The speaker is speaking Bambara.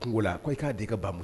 Kunko la ko i ka di ka ba